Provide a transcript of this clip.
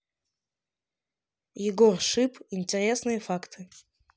егор шип интересные факты